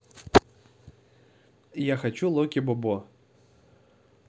я хочу локи бобо